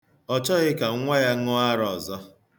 Ọ chọghị ka nwa ya ṅụọ ara ọzọ.